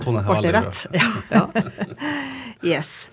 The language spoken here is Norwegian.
ble det rett ja yes.